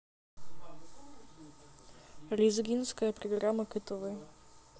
лезгинская программа ктв